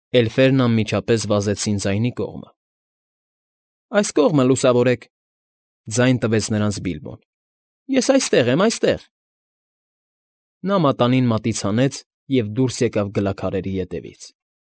Էլֆերն անմիջապես վազեցին ձայնի կողմը։ ֊ Այս կողմը լուսավորեք,֊ ձայն տվեց նրանց Բիլբոն։֊ Ես այստեղ եմ, այստեղ…֊ Նա մատանին մատից հանեց և դուրս եկավ գլաքարերի ետևից։